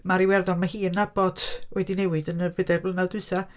Mae'r Iwerddon mae hi'n nabod wedi newid yn y bedair blynedd diwethaf.